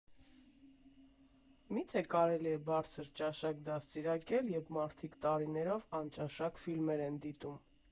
«Մի՞թե կարելի է բարձր ճաշակ դաստիարակել, երբ մարդիկ տարիներով անճաշակ ֆիլմեր են դիտում։